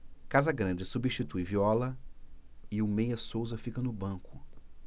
casagrande substitui viola e o meia souza fica no banco